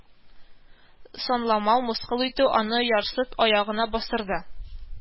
Санламау, мыскыл итү аны ярсып аягына бастырды